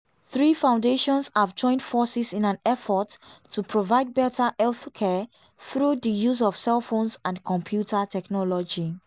Three foundations have joined forces in an effort to provide better healthcare through the use of cell phones and computer technology.